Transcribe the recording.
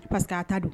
Pa taa ta don